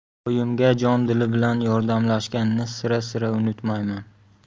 oyimga jon dili bilan yordamlashganini sira sira unutmayman